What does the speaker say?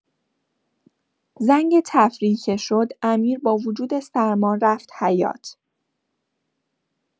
زنگ تفریح که شد، امیر با وجود سرما رفت حیاط.